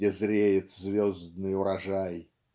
где зреет звездный урожай".